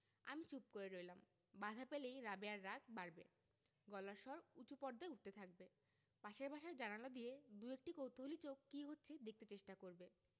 আমি চুপ করে রইলাম বাধা পেলেই রাবেয়ার রাগ বাড়বে গলার স্বর উচু পর্দায় উঠতে থাকবে পাশের বাসার জানালা দিয়ে দুএকটি কৌতুহলী চোখ কি হচ্ছে দেখতে চেষ্টা করবে